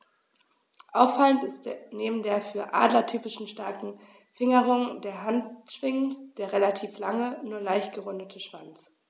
Auffallend ist neben der für Adler typischen starken Fingerung der Handschwingen der relativ lange, nur leicht gerundete Schwanz.